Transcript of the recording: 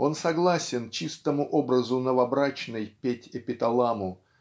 Он согласен чистому образу новобрачной петь эпиталаму